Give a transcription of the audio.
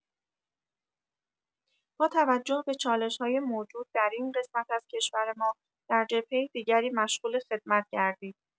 با توجه به چالش‌های موجود در این قسمت از کشور ما، در جبهه دیگری مشغول خدمت گردید.